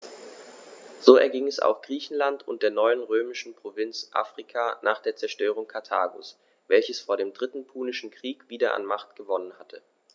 So erging es auch Griechenland und der neuen römischen Provinz Afrika nach der Zerstörung Karthagos, welches vor dem Dritten Punischen Krieg wieder an Macht gewonnen hatte.